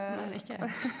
ikke jeg .